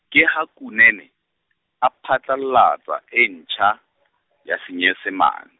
ke ha Kunene, a phatlallatsa e ntjha , ya se Senyesemane.